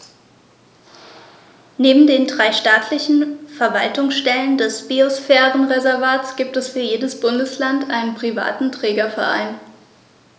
Neben den drei staatlichen Verwaltungsstellen des Biosphärenreservates gibt es für jedes Bundesland einen privaten Trägerverein.